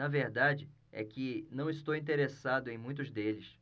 a verdade é que não estou interessado em muitos deles